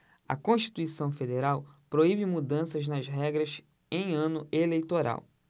a constituição federal proíbe mudanças nas regras em ano eleitoral